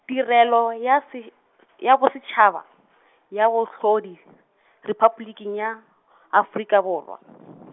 Tirelo ya se , ya Bosetšhaba, ya Bohlodi, Repabliking ya, Afrika Borwa.